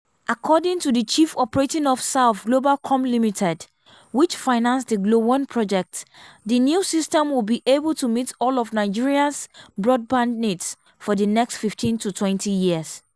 According to the Chief Operating Officer of Globacom Limited, which financed the GLO-1 project, the new system will be able to meet all of Nigeria's broadband needs for the next 15 to 20 years.